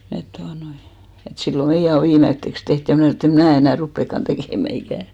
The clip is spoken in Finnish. että tuota noin että silloin meidän on viimeiseksi tehty ja minä sanoin että en minä enää rupeakaan tekemään ikinä